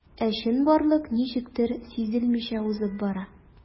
Ә чынбарлык ничектер сизелмичә узып бара.